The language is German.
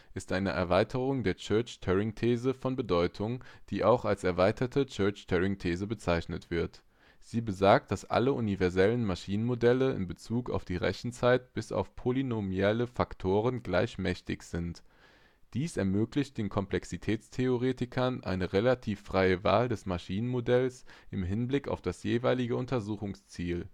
ist eine Erweiterung der Church-Turing-These von Bedeutung, die auch als erweiterte Church-Turing-These bezeichnet wird. Sie besagt, dass alle universellen Maschinenmodelle in Bezug auf die Rechenzeit bis auf polynomielle Faktoren gleich mächtig sind. Dies ermöglicht dem Komplexitätstheoretiker eine relativ freie Wahl des Maschinenmodells im Hinblick auf das jeweilige Untersuchungsziel